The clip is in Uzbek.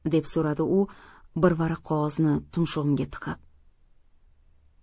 deb so'radi u bir varaq qog'ozni tumshug'imga tiqib